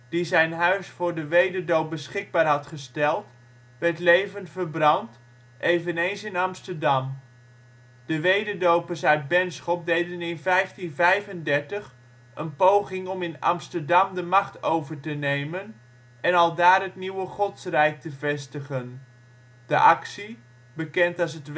die zijn huis voor de wederdoop beschikbaar had gesteld, werd levend verbrand, eveneens in Amsterdam. De wederdopers uit Benschop deden in 1535 een poging om in Amsterdam de macht over te nemen en aldaar het nieuwe Godsrijk te vestigen. De actie, bekend als het wederdopersoproer